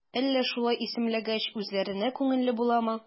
Әллә шулай исемләгәч, үзләренә күңелле буламы?